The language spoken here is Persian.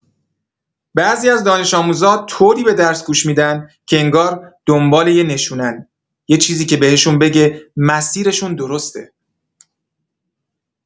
بعضی از دانش‌آموزا طوری به درس گوش می‌دن که انگار دنبال یه نشونه‌ن، یه چیزی که بهشون بگه مسیرشون درسته.